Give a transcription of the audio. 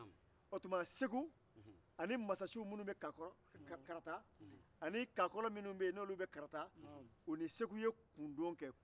o tuma segu ni kara masasiw ni karata kakɔlɔw ye kundo kɛ